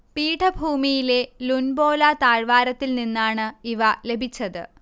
പീഠഭൂമിയിലെ Lunpola താഴ്വാരത്തിൽ നിന്നാണ് ഇവ ലഭിച്ചത്